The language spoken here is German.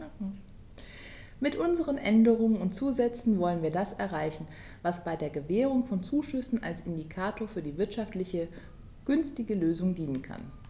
Mit unseren Änderungen und Zusätzen wollen wir das erreichen, was bei der Gewährung von Zuschüssen als Indikator für die wirtschaftlich günstigste Lösung dienen kann.